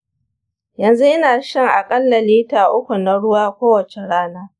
yanzu ina shan akalla lita uku na ruwa kowace rana.